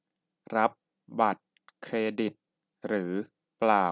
รับบัตรเครดิตหรือเปล่า